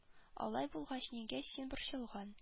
Алай булгач нигә син борчылган